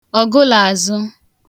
ọ̀gụlààzụ